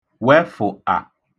wefụ̀tà